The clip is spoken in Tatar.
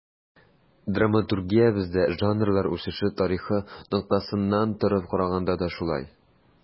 Драматургиябездә жанрлар үсеше тарихы ноктасынан торып караганда да шулай.